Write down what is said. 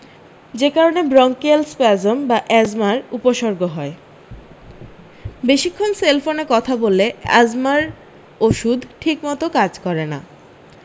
যে কারণে bronchial spasm বা য়্যাজমার উপসর্গ হয় বেশিক্ষণ সেলফোনে কথা বললে আজমার ওষুধ ঠিকমতো কাজ করে না